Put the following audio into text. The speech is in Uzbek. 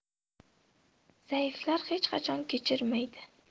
zaiflar hech qachon kechirmaydi